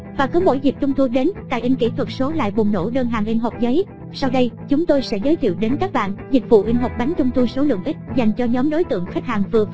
và cứ mỗi dịp trung thu đến tại inkythuatso lại bùng nổ đơn hàng in hộp giấy sau đây chúng tôi sẽ giới thiệu đến các bạn dịch vụ in hộp bánh trung thu số lượng ít dành cho nhóm đối tượng khách hàng vừa và nhỏ